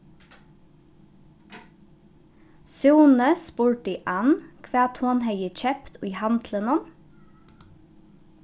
súni spurdi ann hvat hon hevði keypt í handlinum